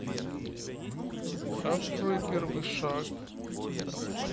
открой первый шаг